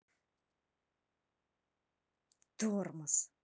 тормоз